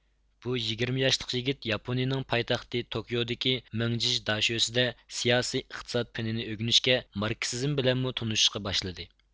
بۇ يىگىرمە ياشلىق يىگىت ياپونىيىنىڭ پايتەختى توكيودىكى مىڭجىژ داشۆسىدە سىياسىي ئىقتىساد پېنىنى ئۆگىنىشكە ماركسىزم بىلەنمۇ تونۇشۇشقا باشلىدى